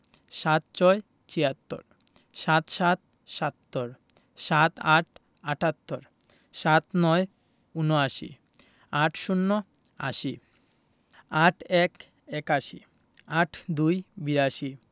৭৬ - ছিয়াত্তর ৭৭ – সাত্তর ৭৮ – আটাত্তর ৭৯ – উনআশি ৮০ - আশি ৮১ – একাশি ৮২ – বিরাশি